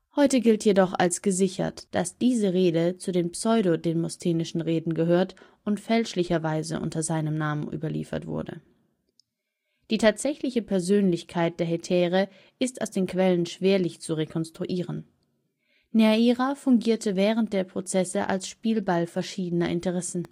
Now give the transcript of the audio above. Heute gilt jedoch als gesichert, dass diese Rede zu den pseudo-demosthenischen Reden gehört und fälschlicherweise unter seinem Namen überliefert wurde. Die tatsächliche Persönlichkeit der Hetäre ist aus den Quellen schwerlich zu rekonstruieren, Neaira fungierte während der Prozesse als Spielball verschiedener Interessen